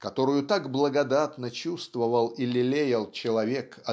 которую так благодатно чувствовал и лелеял человек